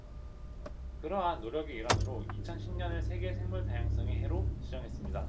그러한 노력의 일환으로 이천 십 년을 세계 생물 다양성의 해로 지정했습니다